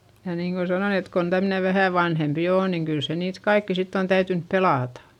ja niin kuin sanoin että kun tämmöinen vähän vanhempi on niin kyllä se niitä kaikkia sitten on täytynyt pelata